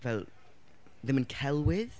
fel, ddim yn celwydd?